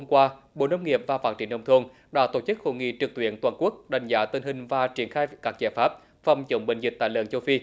qua bộ nông nghiệp và phát triển nông thôn đã tổ chức hội nghị trực tuyến toàn quốc đánh giá tình hình và triển khai các giải pháp phòng chống bệnh dịch tả lợn châu phi